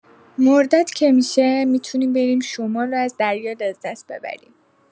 مرداد که می‌شه، می‌تونیم بریم شمال و از دریا لذت ببریم.